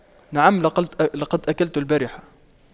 نعم لقد لقد أكلت البارحة